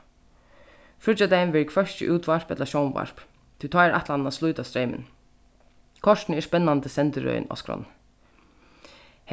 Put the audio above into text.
fríggjadagin verður hvørki útvarp ella sjónvarp tí tá er ætlanin at slíta streymin kortini er spennandi sendirøðin á skránni